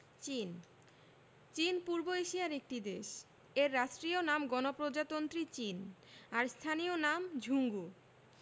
চীনঃ চীন পূর্ব এশিয়ার একটি দেশ এর রাষ্ট্রীয় নাম গণপ্রজাতন্ত্রী চীন আর স্থানীয় নাম ঝুংঘু